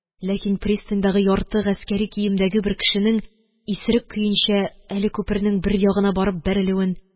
Ләкин пристаньдагы ярты гаскәри киемдәге бер кешенең исерек көенчә әле күпернең бер ягына барып бәрелүе